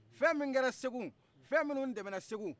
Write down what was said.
fɛn minnu kɛra segu fɛn minnu tɛmɛna segu